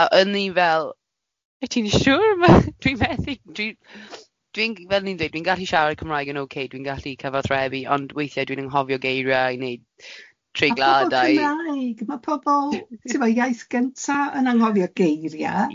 A o'n i fel wyt ti'n siŵr? Dwi'n methu dwi'n, dwi'n fel o'n i'n dweud dwi'n gallu siarad Cymraeg yn ocê, dwi'n gallu cyfathrebu, ond weithiau dwi'n anghofio geiriau i neu treigliada... A pobol Cymraeg, ma' pobol tibod iaith gynta yn anghofio geiriau.